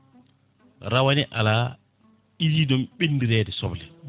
rawane ala idiɗomi ɓendirede soble